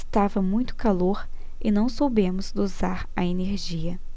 estava muito calor e não soubemos dosar a energia